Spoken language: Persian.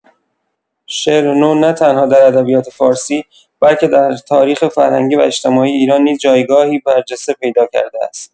شعر نو نه‌تنها در ادبیات فارسی، بلکه در تاریخ فرهنگی و اجتماعی ایران نیز جایگاهی برجسته پیدا کرده است.